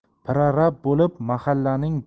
prorab bo'lib mahallaning